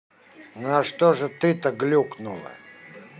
ну а что же ты то глюкнула